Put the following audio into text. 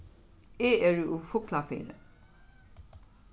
eg eri úr fuglafirði